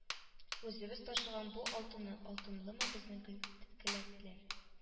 Үзебез ташыган бу алтыннан алтынлымы безнең келт келәтләр